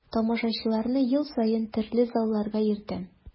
Тамашачыларны ел саен төрле залларга йөртәм.